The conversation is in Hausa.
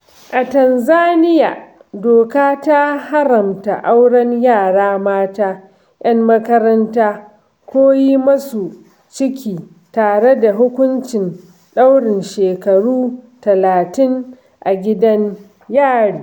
A Tanzaniya doka ta haramta auren yara mata 'yan makaranta ko yi musu ciki tare da hukuncin ɗaurin shekaru talatin a gidan yari.